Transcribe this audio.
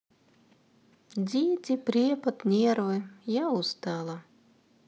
дети препод нервы я устала